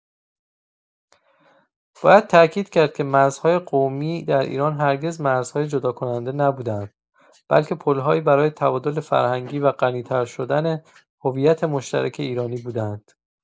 باید تأکید کرد که مرزهای قومی در ایران هرگز مرزهای جداکننده نبوده‌اند، بلکه پل‌هایی برای تبادل فرهنگی و غنی‌تر شدن هویت مشترک ایرانی بوده‌اند.